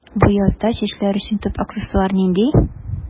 Бу язда чәчләр өчен төп аксессуар нинди?